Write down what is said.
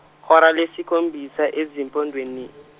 hora lesikhombisa ezimpondweni.